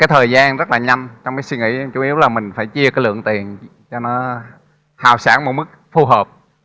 cái thời gian rất là nhanh trong cái suy nghĩ chủ yếu là mình phải chia cái lượng tiền cho nó hào sảng một mức phù hợp